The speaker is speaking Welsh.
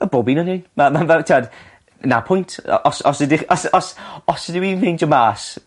Y bob un o n'w. Na ma' fel ti'od 'na pwynt o os ydych os os os ydw i'n ffeindio mas